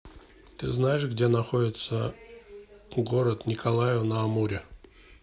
ты знаешь где находится город николаев на амуре